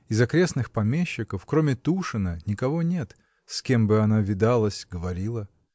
Из окрестных помещиков, кроме Тушина, никого нет — с кем бы она видалась, говорила.